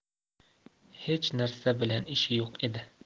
hech narsa bilan ishi yo'q edi